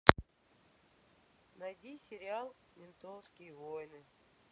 найди сериал ментовские войны